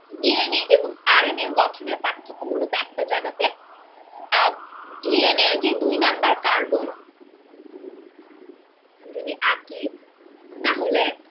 DNA এবং RNA গঠন এর পার্থক্য মূলত একটা জায়গাতে ডিএনএর যে ২ নাম্বার কার্বন যদি আকি তাহলে